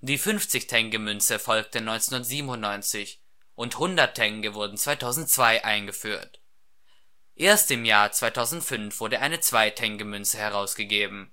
Die 50 Tenge-Münze folgte 1997 und 100 Tenge wurden 2002 eingeführt. Erst im Jahr 2005 wurde eine Zwei-Tenge-Münze herausgegeben